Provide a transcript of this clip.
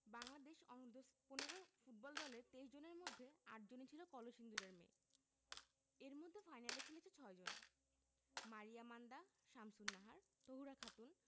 বাংলাদেশ অনূর্ধ্ব ১৫ ফুটবল দলের ২৩ জনের মধ্যে ৮ জনই ছিল কলসিন্দুরের মেয়ে এর মধ্যে ফাইনালে খেলেছে ৬ জন মারিয়া মান্দা শামসুন্নাহার তহুরা খাতুন